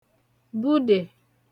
budè